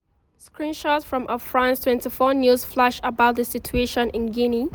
Screenshot from a France 24 news flash about the situation in Guinea.